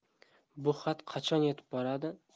bu xat qachon yetib boradi